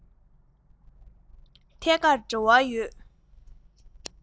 ཐད ཀར འབྲེལ བ ཡོད